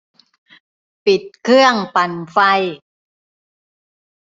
ปิดเครื่องปั่นไฟ